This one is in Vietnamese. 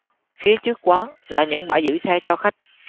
phía trước quán là những bãi giữ xe cho khách